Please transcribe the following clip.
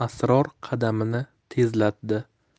asror qadamini tezlatdi